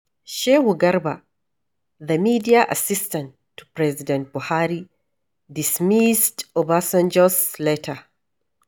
Shehu Garba, the media assistant to President Buhari, dismissed Obasanjo's letter: